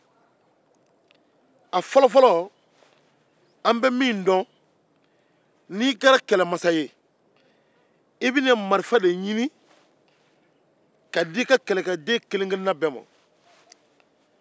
an bɛ min dɔn n'i kɛra kɛlɛmasa ye i bɛ marifa ɲini ka di i kɛlɛden kelen kelen bɛɛ ma